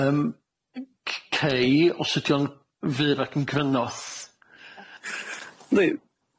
Yym c- cei os ydi o'n fyr ag yn cryno.